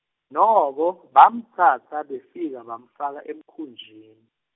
noko, bamtsatsa befika bamfaka emkhunjini.